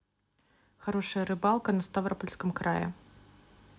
хорошая рыбалка на ставропольском крае